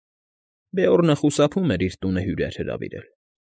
Բեորնը խուսափում էր իր տունը հյուրեր հրավիրել։